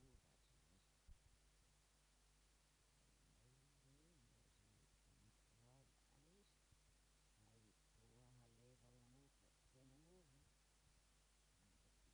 oletteko te käsitöitä tehnyt nuoruudessa paljon